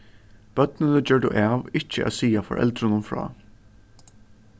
børnini gjørdu av ikki at siga foreldrunum frá